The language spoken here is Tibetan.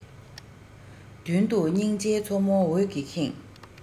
མདུན དུ སྙིང རྗེའི མཚོ མོ འོད ཀྱིས ཁེངས